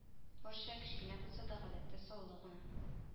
Парча кечкенә булса да гадәттә саллы гына